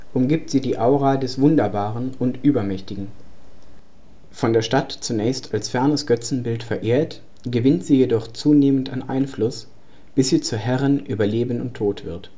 umgibt sie die Aura des Wunderbaren und Übermächtigen. Von der Stadt zunächst als fernes Götzenbild verehrt, gewinnt sie jedoch zunehmend an Einfluss, bis sie zur Herrin über Leben und Tod wird